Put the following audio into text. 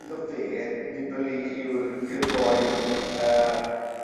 iddo fe Nibali yw'r yw'r boi yym